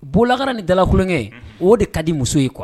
Bolakara ni dalakolonkɛ o de ka di muso ye kuwa